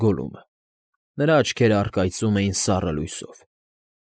Գոլլումը, նրա չքերն առկայծում էին սառը լույսով։